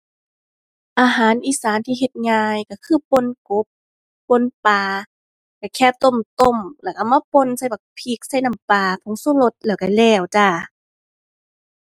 อาหารอีสานที่เฮ็ดง่ายก็คือป่นกบ ป่นปลา ก็แค่ต้มต้มแล้วก็เอามาป่นใส่บักพริก ใส่น้ำปลา ผงก็รส แล้วก็แล้วจ้า